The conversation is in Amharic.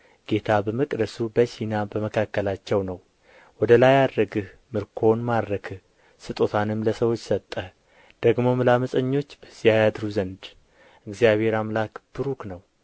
ጌታ በመቅደሱ በሲና በመካከላቸው ነው ወደ ላይ ዓረግህ ምርኮን ማረክህ ስጦታንም ለሰዎች ሰጠህ ደግሞም ለዓመፀኞች በዚያ ያድሩ ዘንድ እግዚአብሔር አምላክ ቡሩክ ነው